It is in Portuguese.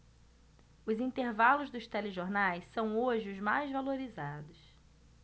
os intervalos dos telejornais são hoje os mais valorizados